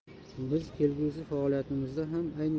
biz kelgusi faoliyatimizda ham ayni